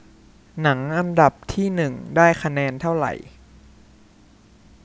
หนังอันดับที่หนึ่งได้คะแนนเท่าไหร่